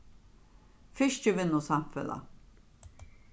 fiskivinnusamfelag